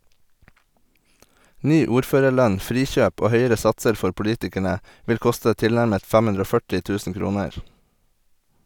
Ny ordførerlønn, frikjøp og høyere satser for politikerne, vil koste tilnærmet 540 000 kroner.